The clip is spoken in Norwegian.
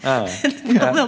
ja ja ja.